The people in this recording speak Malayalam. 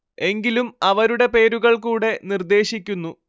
എങ്കിലും അവരുടെ പേരുകൾ കൂടെ നിർദ്ദേശിക്കുന്നു